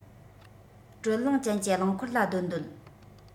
དྲོད རླངས ཅན གྱི རླངས འཁོར ལ སྡོད འདོད